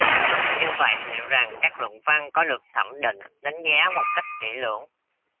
như vậy liệu rằng các luận văn có được thẩm định đánh giá một cách kỹ lưỡng